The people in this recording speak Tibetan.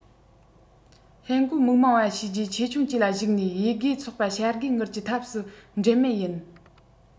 ཧན གོའི མིག མངས པ བྱས རྗེས ཆེ ཆུང བཅས ལ གཞིགས ནས དབྱེ བགོས ཚོགས པ བྱ དགའི དངུལ གྱི ཐབས སུ འགྲན མེད ཡིན